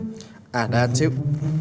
à đợi anh xíu